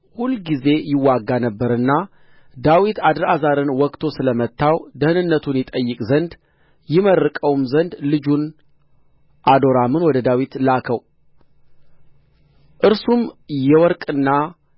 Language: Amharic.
ሁል ጊዜ ይዋጋ ነበርና ዳዊት አድርአዛርን ወግቶ ስለመታው ደኅንነቱን ይጠይቅ ዘንድ ይመርቀውም ዘንድ ልጁን አዶራምን ወደ ዳዊት ላከው እርሱም የወርቅና